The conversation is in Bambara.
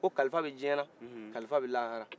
a ko kalifa b diɲɛna kalifa bɛ lahara